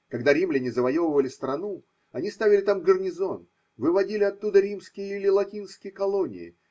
Когда римляне завоевывали страну, они ставили там гарнизон, выводили туда римские или латинские колонии